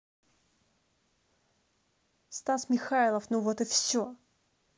стас михайлов ну вот и все